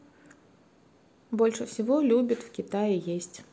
больше всего любит в китае есть